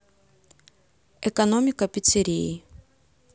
экономика пиццерии